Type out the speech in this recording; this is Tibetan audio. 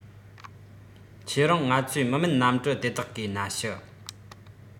ཁྱེད རང ང ཚོའི མི མེད གནམ གྲུ དེ དག གིས སྣ ཤུ